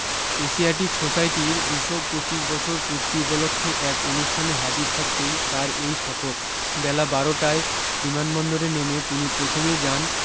Asiatic সোসাইটির দুশো পঁচিশ বছর পূর্তি উপলক্ষ্যে এক অনুষ্ঠানে হাজির থাকতেই তার এই সফর বেলা বারো টায় বিমানবন্দরে নেমে তিনি প্রথমেই যান